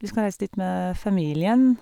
Vi skal reise dit med familien.